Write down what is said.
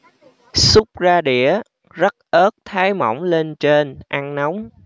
xúc ra đĩa rắc ớt thái mỏng lên trên ăn nóng